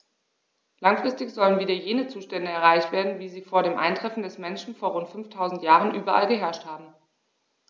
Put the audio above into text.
Langfristig sollen wieder jene Zustände erreicht werden, wie sie vor dem Eintreffen des Menschen vor rund 5000 Jahren überall geherrscht haben.